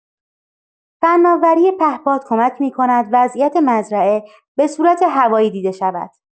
فناوری پهپاد کمک می‌کند وضعیت مزرعه به صورت هوایی دیده شود.